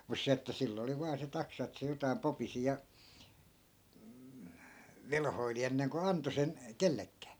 mutta se että sillä oli vain se taksa että se jotakin popisi ja velhoili ennen kuin antoi sen kenellekään